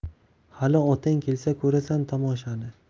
hali otang kelsa ko'rasan tomoshani